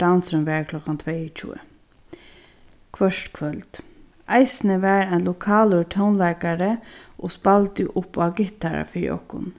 dansurin var klokkan tveyogtjúgu hvørt kvøld eisini var ein lokalur tónleikari og spældi upp á gittara fyri okkum